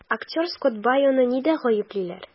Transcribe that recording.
Актер Скотт Байоны нидә гаеплиләр?